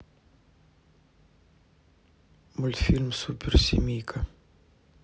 мультфильм суперсемейка